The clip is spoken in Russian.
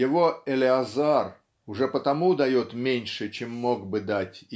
его "Елеазар" уже потому дает меньше чем мог бы дать